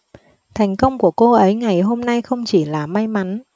thành công của cô ấy ngày hôm nay không chỉ là may mắn